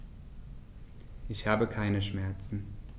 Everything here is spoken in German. Ich habe keine Schmerzen.